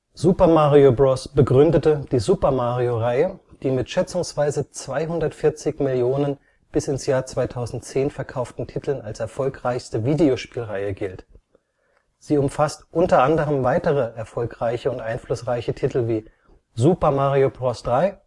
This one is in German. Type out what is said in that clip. Super Mario Bros. begründete die Super-Mario-Reihe, die mit schätzungsweise 240 Millionen bis 2010 verkauften Titeln als erfolgreichste Videospielreihe gilt. Sie umfasst unter anderem weitere erfolgreiche und einflussreiche Titel wie Super Mario Bros. 3